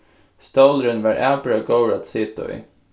stólurin var avbera góður at sita í